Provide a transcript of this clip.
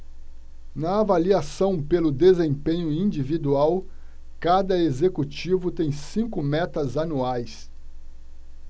na avaliação pelo desempenho individual cada executivo tem cinco metas anuais